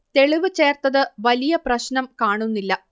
തെളിവ് ചേർത്തത് വലിയ പ്രശ്നം കാണുന്നില്ല